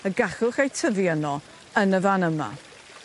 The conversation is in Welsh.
y gallwch eu tyfu yno yn y fan yma.